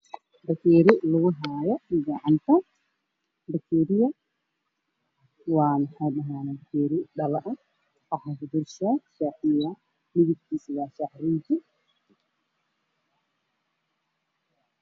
Waa bakeeri lagu hayo gacanta waxaa ku jiro shaah midabkiisu yahay qaxwi